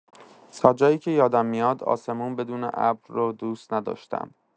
تا جایی که یادم میاد آسمون بدون ابر رو دوست نداشتم.